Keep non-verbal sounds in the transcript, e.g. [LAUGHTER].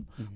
[HESITATION] [HESITATION]